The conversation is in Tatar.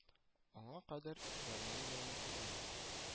Аңа кадәр филармониянеке иде